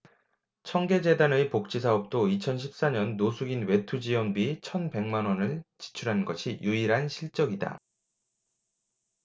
청계재단의 복지사업도 이천 십 사 년 노숙인 외투 지원비 천 백 만원을 지출한 것이 유일한 실적이다